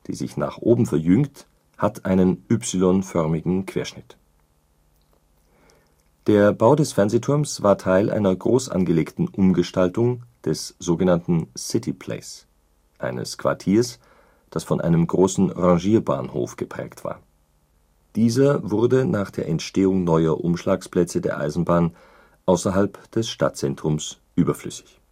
sich nach oben verjüngt, hat in einen Y-förmigen Querschnitt. Der Bau des Fernsehturms war Teil einer groß angelegten Umgestaltung des sogenannten CityPlace, eines Quartiers, das von einem großen Rangierbahnhof geprägt war. Dieser wurde nach der Entstehung neuer Umschlagsplätze der Eisenbahn außerhalb des Stadtzentrums überflüssig